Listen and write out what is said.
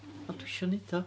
Ond dwi isio wneud o.